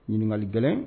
Ɲininkakali gɛlɛn